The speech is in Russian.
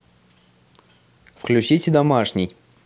включите домашний